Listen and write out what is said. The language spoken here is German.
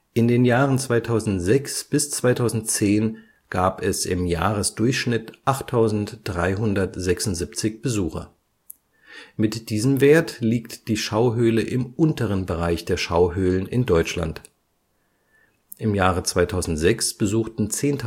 In den Jahren 2006 bis 2010 gab es im Jahresdurchschnitt 8.376 Besucher. Mit diesem Wert liegt die Schauhöhle im unteren Bereich der Schauhöhlen in Deutschland. Im Jahre 2006 besuchten 10.120